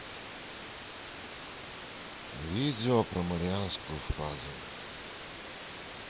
видео про марианскую впадину